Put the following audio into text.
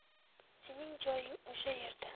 sening joying o'sha yerda